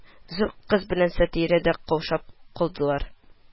Зур кыз белән Сатирә дә каушап калдылар